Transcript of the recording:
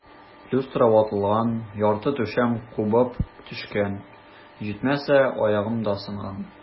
Люстра ватылган, ярты түшәм кубып төшкән, җитмәсә, аягым да сынган.